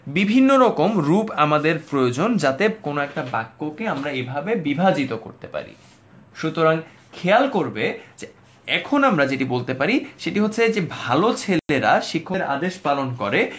বিভিন্ন রকম রূপ আমাদের প্রয়োজন যাতে কোন একটা বাক্য কে আমরা এভাবে বিভাজিত করতে পারি সুতরাং খেয়াল করবে এখন আমরা যেটি বলতে পারি সেটি হচ্ছে যে ভালো ছেলেরা শিক্ষকের আদেশ পালন করে